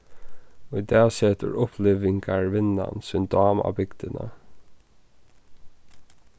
í dag setur upplivingarvinnan sín dám á bygdina